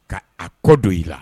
Ka a kɔ dɔ i la